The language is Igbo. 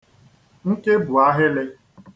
nkebùahịlị̄